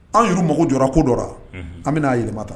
An yɛr'u mako jɔra ko dɔ an bɛ n'a yɛlɛma tan